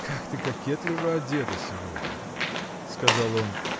— Как ты кокетливо одета сегодня! — сказал он.